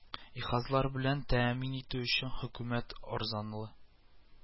Иһазлар белән тәэмин итү өчен хөкүмәт арзанлы